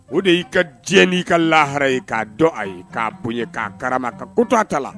O de y'i ka diɲɛ nii ka lahara ye k'a dɔn a ye k'a bonya k'a karama ka kota a ta la